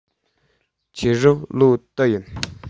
ཁྱེད རང ལོ དུ ཡིན